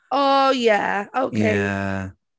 O ie, ocei... Ie.